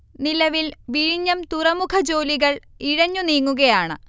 നിലവിൽ വിഴിഞ്ഞം തുറമുഖ ജോലികൾ ഇഴഞ്ഞു നീങ്ങുകയാണ്